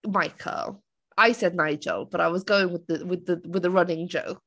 Michael. I said Nigel, but I was going with the with the with the running joke.